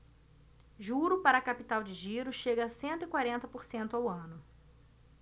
juro para capital de giro chega a cento e quarenta por cento ao ano